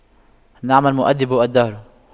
نعم المؤَدِّبُ الدهر